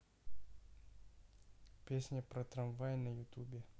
песня про трамвай на ютубе